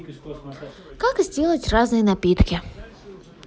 как сделать разные напитки